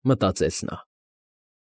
Մտածեց նա։